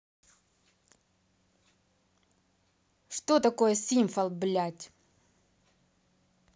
что такое симфол блять